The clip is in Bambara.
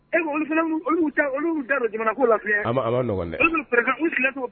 Da don jamana ko la ɲɔgɔn dɛ